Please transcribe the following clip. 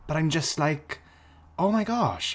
But I'm just like "Oh my gosh?"